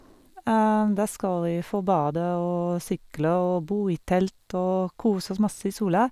Da skal vi få bade og sykle og bo i telt og kose oss masse i sola.